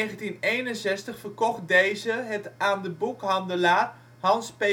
In 1961 verkocht deze het aan de boekhandelaar Hans P.